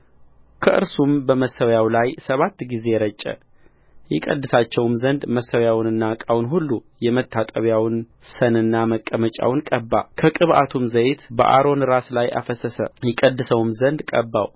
ከእርሱም በመሠዊያው ላይ ሰባት ጊዜ ረጨ ይቀድሳቸውም ዘንድ መሠዊያውንና ዕቃውን ሁሉ የመታጠቢያውን ሰንና መቀመጫውን ቀባከቅብዓቱም ዘይት በአሮን ራስ ላይ አፈሰሰ ይቀድሰውም ዘንድ ቀባው